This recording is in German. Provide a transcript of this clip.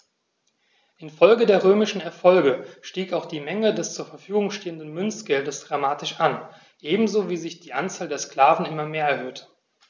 Infolge der römischen Erfolge stieg auch die Menge des zur Verfügung stehenden Münzgeldes dramatisch an, ebenso wie sich die Anzahl der Sklaven immer mehr erhöhte.